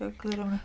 Eglura hwnna.